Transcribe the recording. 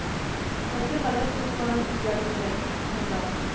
Нәсел гадәт-холыкларын үзгәртмиләр монда